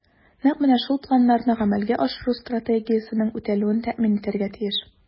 Нәкъ менә шул планнарны гамәлгә ашыру Стратегиянең үтәлүен тәэмин итәргә тиеш.